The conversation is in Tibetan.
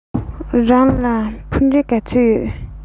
རང ལ ཕུ འདྲེན ག ཚོད ཡོད